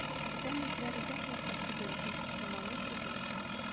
Бүтән этләр як-якка сибелде, камалыш өзелде.